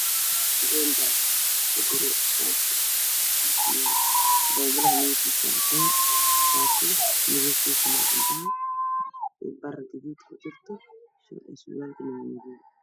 Waxaa ii muuqda bombale kanarkiisu yahay caddaan waxaa ku jiro shaati midabkiisa yahay caddaan iyo madow isku jiro darbiga wada caddaan